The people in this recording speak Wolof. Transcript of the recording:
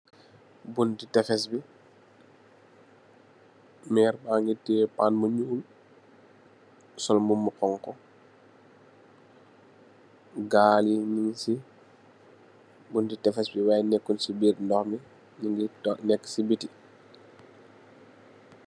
Buntu tefesi bi, meer baa ngi tiye paan bu ñuul sol mbub mu xonxu, gaali ñung si buntu tefesi bi waayit neekuñ si biir ndox mi, ñu ngi neekë si bitti.